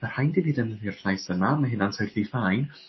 ma' rhaid i fyd yn i'r llais yma ma' hyna'n tetlu ffin